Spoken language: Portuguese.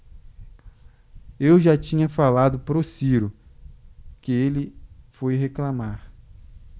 eu já tinha falado pro ciro que ele foi reclamar